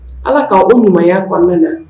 Ala k' o ɲumanya kɔnɔna na